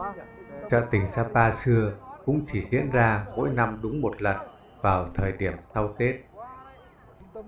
chợ tình sapa xưa cũng chỉ diễn ra mỗi năm đúng lần vào thời điểm sau tết